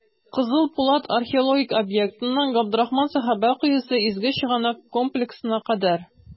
«кызыл пулат» археологик объектыннан "габдрахман сәхабә коесы" изге чыганак комплексына кадәр.